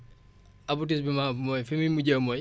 aboutissement bi mooy fi muy mujjee mooy